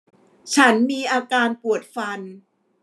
ฉันมีอาการปวดฟัน